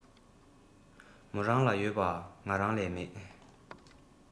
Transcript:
མོ རང ལ ཡོད པ ང རང ལས མེད